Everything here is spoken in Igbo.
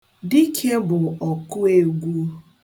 Dike bụ ọkụegwu.